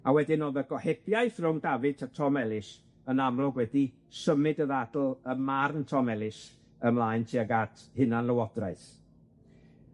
a wedyn o'dd y gohebiaeth rwng Davitt a Tom Ellis yn amlwg wedi symud y ddadl ym marn Tom Ellis ymlaen tuag at hunanlywodraeth.